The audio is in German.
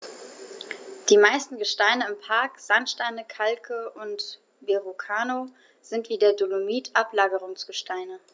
Die meisten Gesteine im Park – Sandsteine, Kalke und Verrucano – sind wie der Dolomit Ablagerungsgesteine.